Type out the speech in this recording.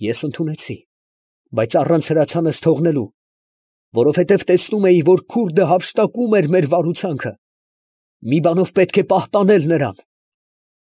Ես ընդունեցի, բայց առանց հրացանս թողնելու, որովհետև տեսնում էի, որ քուրդը հափշտակում էր մեր վարուցանքը. մի բանով պետք է պահպանել նրան։